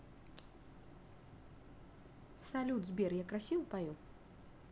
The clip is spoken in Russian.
салют сбер я красиво пою